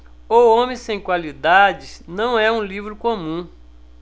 o homem sem qualidades não é um livro comum